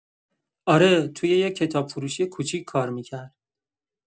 آره، توی یه کتاب‌فروشی کوچیک کار می‌کرد.